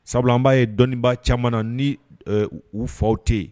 Sabula an b'a ye dɔniba caman na ni u faw tɛ yen